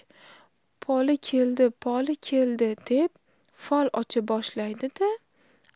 poli keldi poli keldi deb fol ocha boshlaydi da